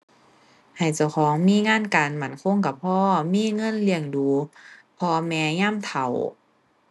ให้เจ้าของมีงานการมั่นคงก็พอ มีเงินเลี้ยงดูพ่อแม่ยามเฒ่า